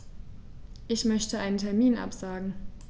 Ich möchte einen Termin absagen.